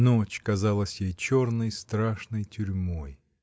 ночь казалась ей черной, страшной тюрьмой.